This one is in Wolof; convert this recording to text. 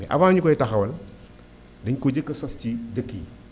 te avant ñu koy taxawal dañ ko njëkk a sos ci dëkk yi